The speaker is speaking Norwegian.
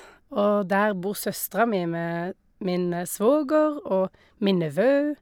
Og der bor søstera mi med min svoger og min nevø.